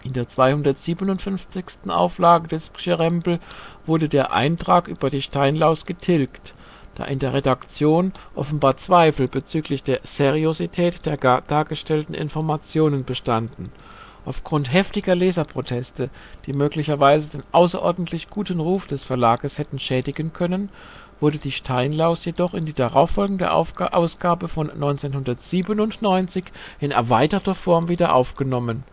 der 257. Auflage des Pschyrembel wurde der Eintrag über die Steinlaus getilgt, da in der Redaktion offenbar Zweifel bezüglich der Seriosität der dargestellten Informationen bestanden. Aufgrund heftiger Leserproteste, die möglicherweise den außerordentlich guten Ruf des Verlages hätten schädigen können, wurde die Steinlaus jedoch in die darauffolgende Ausgabe von 1997 in erweiterter Form wieder aufgenommen